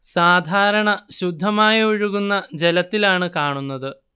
സാധാരണ ശുദ്ധമായ ഒഴുകുന്ന ജലത്തിലാണു കാണുന്നത്